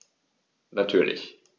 Natürlich.